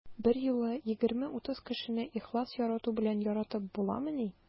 Берьюлы 20-30 кешене ихлас ярату белән яратып буламыни?